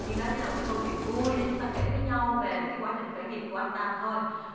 nhưng đó chỉ là một câu chuyện vui để chúng ta kể với nhau về cái quá trình khởi nghiệp của anh tam thôi